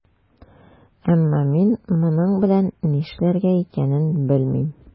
Әмма мин моның белән нишләргә икәнен белмим.